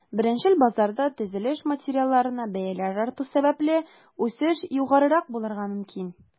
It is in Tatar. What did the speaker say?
Беренчел базарда, төзелеш материалларына бәяләр арту сәбәпле, үсеш югарырак булырга мөмкин.